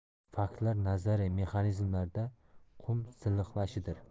faktlar nazariya mexanizmlarida qum silliqlashidir